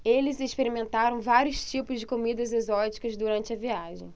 eles experimentaram vários tipos de comidas exóticas durante a viagem